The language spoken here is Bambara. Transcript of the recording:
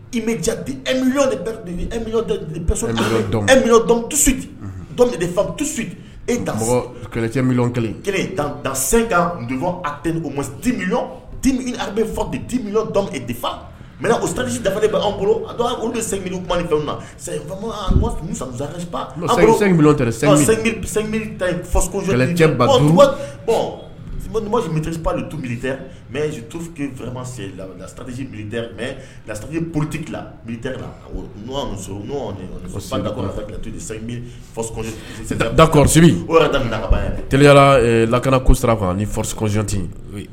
Etu e ke mi kelen kelen tan sen o ma di bɛ fa di mi defa mɛtadisi dafafe de bɛan bolo olu fɛn na bɔnsisi tubili tɛ mɛ tuma sen lasi mɛ poroti dasi lakana ko sara niti